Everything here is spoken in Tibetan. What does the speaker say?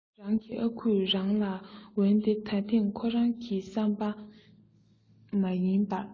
རང གི ཨ ཁུས རང ལ འོན ཏེ ད ཐེངས ཁོ རང གི བསམ པ ཏར མ ཡིན པར